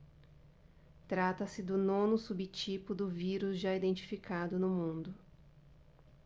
trata-se do nono subtipo do vírus já identificado no mundo